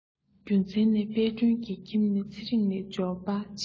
རྒྱུ མཚན ནི དཔལ སྒྲོན གྱི ཁྱིམ ནི ཚེ རིང ལས འབྱོར པ ཆེ བ